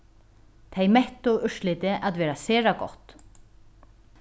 tey mettu úrslitið at vera sera gott